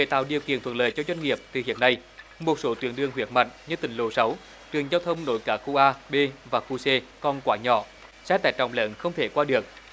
để tạo điều kiện thuận lợi cho doanh nghiệp từ hiện nay một số tuyến đường huyết mạch như tỉnh lộ sáu trường giao thông nối các khu a bê và khu xê còn quá nhỏ xe tải trọng lớn không thể qua được